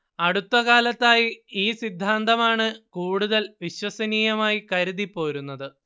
അടുത്ത കാലത്തായി ഈ സിദ്ധാന്തമാണ് കൂടുതൽ വിശ്വസനീയമായി കരുതിപ്പോരുന്നത്